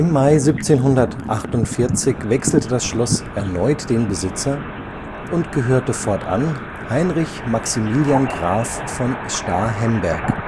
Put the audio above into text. Mai 1748 wechselte das Schloss erneut den Besitzer und gehörte fortan Heinrich Maximilian Graf von Starhemberg